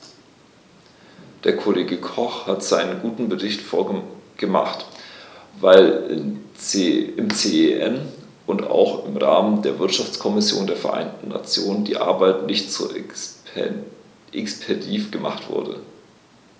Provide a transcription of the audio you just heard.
Der Kollege Koch hat seinen guten Bericht gemacht, weil im CEN und auch im Rahmen der Wirtschaftskommission der Vereinten Nationen die Arbeit nicht so expeditiv gemacht wurde.